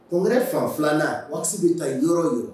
Kɔn wɛrɛ fan filananna waati bɛ taa yɔrɔ ye